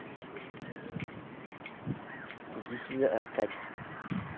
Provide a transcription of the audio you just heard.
иди сюда кать